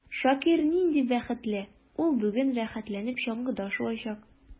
Шакир нинди бәхетле: ул бүген рәхәтләнеп чаңгыда шуачак.